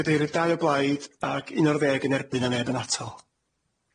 Cadeirydd, dau o blaid ag un o'r ddeg yn erbyn a neb yn atal?